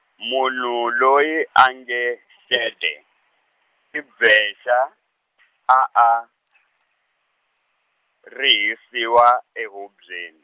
munhu loyi a nge , Xede, i Bvexa , a a, rihisiwa ehubyeni.